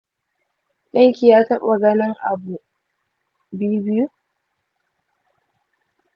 ɗan ki ya taɓa ganin abu biyu-biyu?